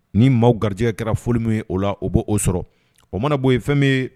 Ni maaw garijɛ kɛra foli min ye o la o bɔ oo sɔrɔ o mana bɔ yen ye fɛn bɛ ye